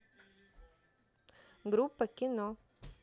группа кино